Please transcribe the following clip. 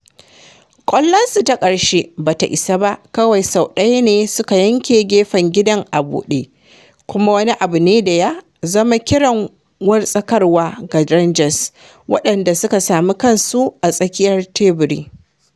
Ƙwallonsu ta ƙarshe ba ta isa ba - kawai sau ɗaya ne suka yanke gefen gidan a buɗe - kuma wani abu ne da ya zama kiran wartsakarwar ga Rangers, waɗanda suka sami kansu a tsakiyar teburi.